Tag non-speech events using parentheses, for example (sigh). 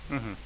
(hesitation) (hesitation)